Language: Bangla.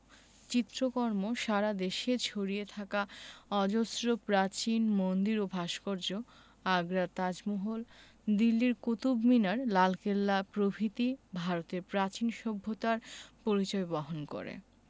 চিত্রকর্ম সারা দেশে ছড়িয়ে থাকা অজস্র প্রাচীন মন্দির ও ভাস্কর্য আগ্রার তাজমহল দিল্লির কুতুব মিনার লালকেল্লা প্রভৃতি ভারতের প্রাচীন সভ্যতার পরিচয় বহন করে